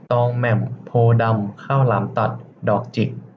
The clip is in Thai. ตองแหม่มโพธิ์ดำข้าวหลามตัดดอกจิก